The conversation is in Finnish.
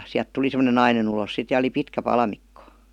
sieltä tuli semmoinen nainen ulos sitten ja oli pitkä palmikko